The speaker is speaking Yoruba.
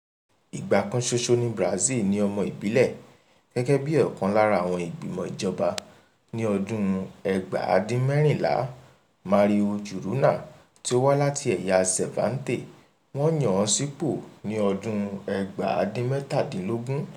Ìgbà kan ṣoṣo tí Brazil ní ọmọ ìbílẹ̀ gẹ́gẹ́ bí ọkàn lára àwọn ìgbìmọ̀ ìjọba ni ọdún-un 1986 — Mario Juruna, tí ó wá láti ẹ̀yà Xavante, wọ́n yàn án sípò ní ọdún-un 1983.